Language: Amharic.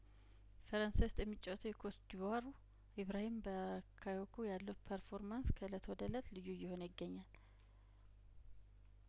ፈረንሳይውስጥ የሚጫወተው የኮትዲቭዋር ኢብራሂም ባካዮኮ ያለው ፐርፎርማንስ ከእለት ወደ እለት ልዩ እየሆነ ይገኛል